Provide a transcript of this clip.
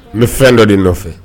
N bɛ fɛn dɔ de nɔfɛ